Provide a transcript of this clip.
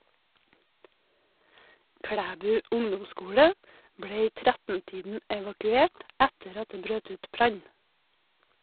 Klæbu ungdomsskole ble i 13-tiden evakuert etter at det brøt ut brann.